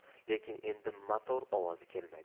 lekin endi motor ovozi kelmaydi